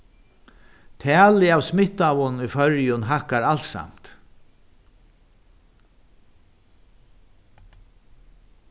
talið av smittaðum í føroyum hækkar alsamt